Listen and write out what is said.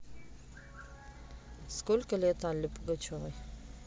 сколько лет алле пугачевой